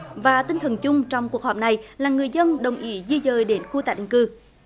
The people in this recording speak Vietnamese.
và tinh thần chung trong cuộc họp này là người dân đồng ý di dời đến khu tái định cư